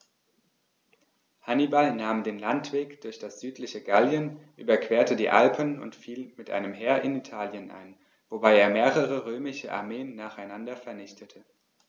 Hannibal nahm den Landweg durch das südliche Gallien, überquerte die Alpen und fiel mit einem Heer in Italien ein, wobei er mehrere römische Armeen nacheinander vernichtete.